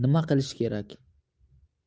nima qilish kerak